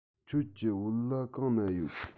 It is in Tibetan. ཁྱོད ཀྱི བོད ལྭ གང ན ཡོད